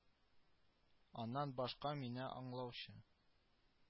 Аннан башка мине аңлаучы